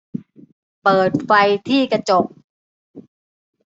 เปิดไฟที่กระจก